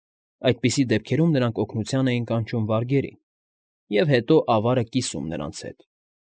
Այդպիսի դեպքերում նրանք օգնության էին կանչում վարգերին և հետո ավարը կիսում նրանց հետ։